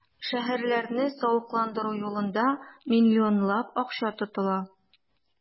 Шәһәрләрне савыкландыру юлында миллионлап акча тотыла.